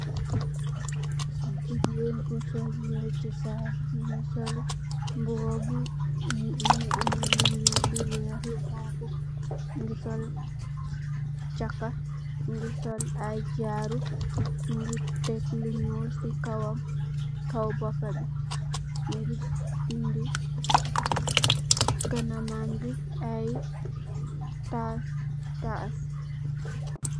Jigéen bu sol yiré chosan, mungi sol mbuba bu mungi ameh lu ñuul, lu weeh, lu honku. Mungi sol chaha, mungi sol ay jaaro, mungi tekk lu ñuul ci kawam, kaw boppa bi. Mungi bindi kanamam bi ay tas-tas.